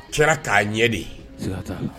A kɛra k'a ɲɛ de ye